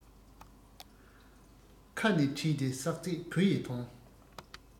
ཁ ནས ཕྲིས ཏེ བསགས ཚད བུ ཡི དོན